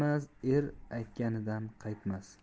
er aytganidan qaytmas